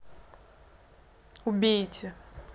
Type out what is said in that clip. убейте